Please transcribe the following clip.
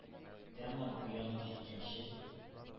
Тәмам уянып җиткәнче,